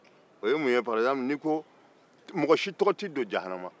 mɔgɔ si tɔgɔ t'i don jahanama kɔnɔ